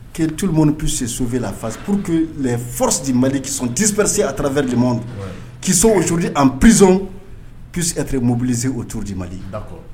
Que tout le monde peut se sauver la fase. Pour que les forces du Mali qui sont dispersées à travers le monde . Qui sont aujourd'hui en prison, puisse être mobilisée autour du Mali.